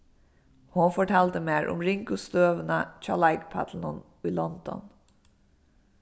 hon fortaldi mær um ringu støðuna hjá leikpallunum í london